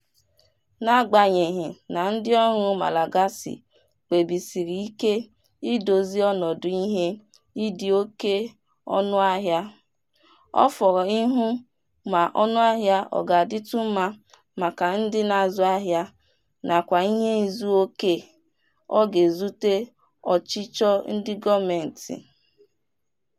N'agbanyeghị na ndịọrụ Malagasy kpebisiri ike ịdozi ọnọdụ ihe ịdị oke ọnụahịa, ọ fọrọ ihu ma ọnụahịa ọ ga-adịtụ mma maka ndị na-azụ ahịa nakwa ihe izuoke ọ ga-ezute ọchịchọ ndị gọọmentị.